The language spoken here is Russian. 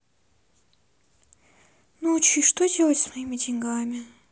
научи что делать с моими деньгами